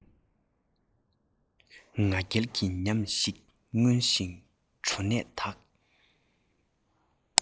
ང རྒྱལ གྱི ཉམས ཤིག མངོན བཞིན གྲོ ནས དག